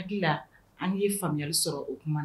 Hakili la an ye faamuyali sɔrɔ o kuma